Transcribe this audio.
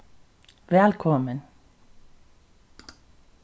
vælkomin